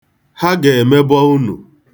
Ha ga-emebọ unu.